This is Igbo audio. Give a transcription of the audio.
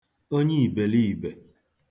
onye ìbèliìbè